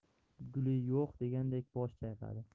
guli yo'q degandek bosh chayqadi